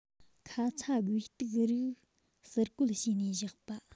ཁ ཚ དགོས གཏུགས རིགས ཟུར བཀོལ བྱས ནས བཞག པ